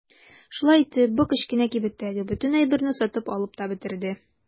Шулай итеп бу кечкенә кибеттәге бөтен әйберне сатып алып та бетерде.